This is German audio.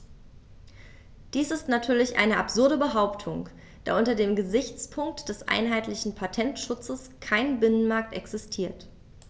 Dies ist natürlich eine absurde Behauptung, da unter dem Gesichtspunkt des einheitlichen Patentschutzes kein Binnenmarkt existiert.